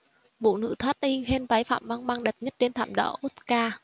vũ nữ thoát y khen váy phạm băng băng đẹp nhất trên thảm đỏ oscar